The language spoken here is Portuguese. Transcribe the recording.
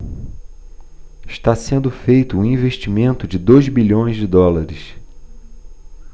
está sendo feito um investimento de dois bilhões de dólares